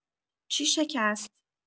چی شکست؟